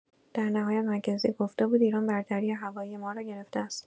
در نهایت مکنزی گفته بود ایران برتری هوایی ما را گرفته است.